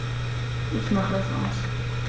Ich mache es aus.